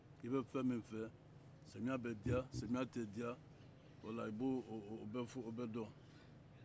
i bɛ fɛn min fɛ samiya bɛ diya samiya tɛ diya voila i b'o bɛɛ dɔn